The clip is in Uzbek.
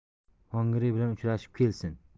xongirey bilan uchrashib kelsin